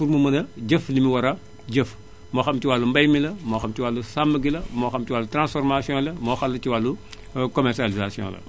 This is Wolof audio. pour mu mën a jëf li mu war a jëf moo xam ci wàllu mbay mi la moo xam ci wàllu sàmm gi la moo xam ci wàllu transformation la moo xam ci wàllu commercialisation la